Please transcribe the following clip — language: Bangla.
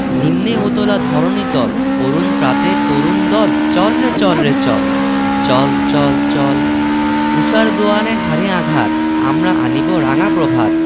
নিম্নে উতলা ধরণি তল অরুণ প্রাতের তরুণ দল চল রে চল রে চল চল চল চল ঊষার দুয়ারে হানি' আঘাত আমরা আনিব রাঙা প্রভাত